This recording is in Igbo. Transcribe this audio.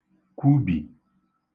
kwubì